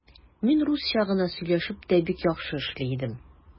Мин русча гына сөйләшеп тә бик яхшы эшли идем.